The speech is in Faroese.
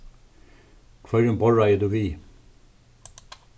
hvørjum borðreiðir tú við